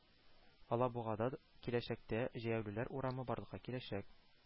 Алабугада да киләчәктә җәяүлеләр урамы барлыкка киләчәк